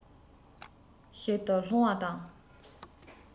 ཞིག ཏུ ལྷུང བ དང